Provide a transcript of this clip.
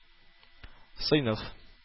Сыйныф